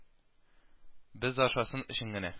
Без ашасын өчен генә